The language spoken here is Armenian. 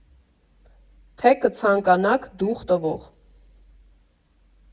Թե կցանկանաք՝ «դուխ տվող»